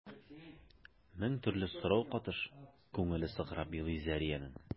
Мең төрле сорау катыш күңеле сыкрап елый Зәриянең.